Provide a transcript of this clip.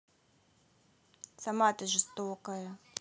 сама ты жестокая